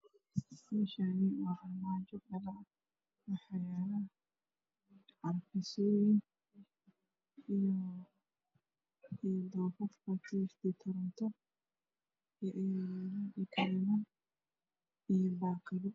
Meeshaani waxaa yaalo carfisoouin Aya ayaalo baakado